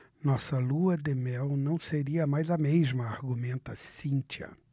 nossa lua-de-mel não seria mais a mesma argumenta cíntia